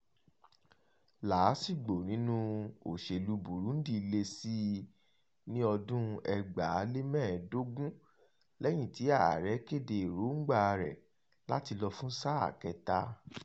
...Làásìgbò nínú òṣèlú Burundi le sí i ní ọdún 2015 lẹ́yìn tí ààrẹ́ kéde èròńgbàa rẹ̀ láti lọ fún sáà kẹ́ta.